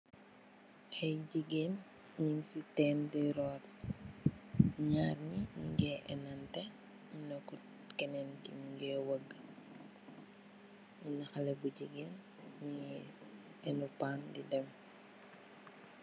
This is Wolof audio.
Ñii ay jigeen ñing ci tèèn di rot, ñaar ñi ñing gee enante kenen ki mugèè wëg. Am na xalèh bu jigeen mugii ènu pan di dem.